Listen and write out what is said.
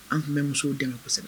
An tun bɛ musow dɛmɛ kosɛbɛ